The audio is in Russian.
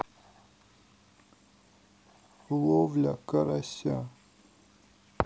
ловля карася